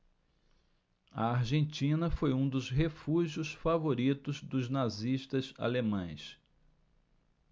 a argentina foi um dos refúgios favoritos dos nazistas alemães